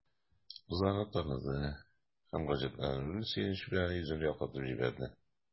Кыз аны таныды һәм гаҗәпләнүле сөенеч аның йөзен яктыртып җибәрде.